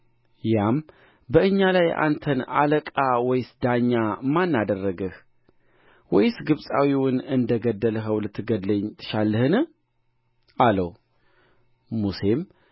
ያም በእኛ ላይ አንተን አለቃ ወይስ ዳኛ ማን አደረገህ ወይስ ግብፃዊውን እንደ ገደልኸው ልትገድለኝ ትሻለህን አለው ሙሴም